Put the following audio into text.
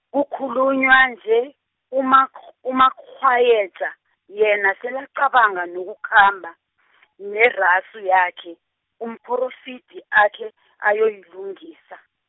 kukhulunywa nje, uMakgh- uMakghwayeja, yena selacabanga nokukhamba , neraso yakhe, Umporofidi akhe, ayoyilungisa.